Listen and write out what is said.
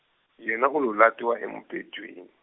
yena u to latiwa emubedweni.